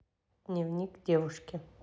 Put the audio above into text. дневник девушки